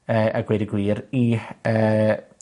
yy a gweud y gwir i yy